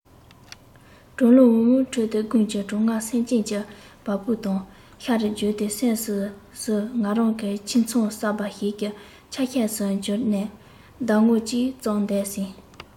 གྲང རླུང འུར འུར ཁྲོད དུ དགུན གྱི གྲང ངར སེམས ཅན གྱི བ སྤུ དང ཤ རུས བརྒྱུད དེ སེམས སུ ཟུག ང རང ཁྱིམ ཚང གསར པ ཞིག གི ཆ ཤས སུ གྱུར ནས ཟླ ངོ གཅིག ཙམ འདས ཟིན